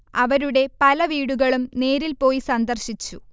അവരുടെ പല വീടുകളും നേരിൽ പോയി സന്ദര്ശിച്ചു